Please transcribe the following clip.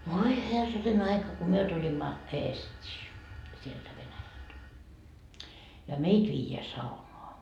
voi herranen aika kun me tulimme Eestiin sieltä Venäjältä ja meitä viedään saunaan